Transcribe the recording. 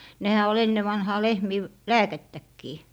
nehän oli ennen vanhaan lehmien - lääkettäkin